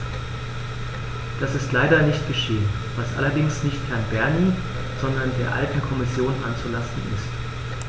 Das ist leider nicht geschehen, was allerdings nicht Herrn Bernie, sondern der alten Kommission anzulasten ist.